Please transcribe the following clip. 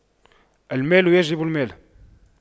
المال يجلب المال